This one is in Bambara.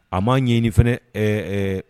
A' ɲɛ nin fana ɛɛ